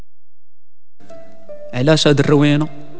الاسد الروينه